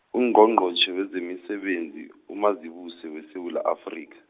Ungqongqotjhe wezemisebenzi, uMazibuse weSewula Afrika.